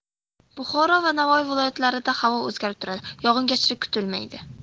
buxoro va navoiy viloyatlarida havo o'zgarib turadi yog'ingarchilik kutilmaydi